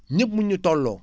ñëpp mënuñu tolloo